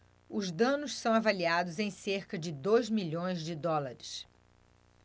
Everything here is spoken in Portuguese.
os danos são avaliados em cerca de dois milhões de dólares